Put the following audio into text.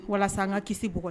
Walasa an ka kisi b